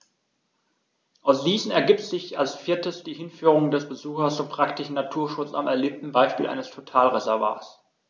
Aus diesen ergibt sich als viertes die Hinführung des Besuchers zum praktischen Naturschutz am erlebten Beispiel eines Totalreservats.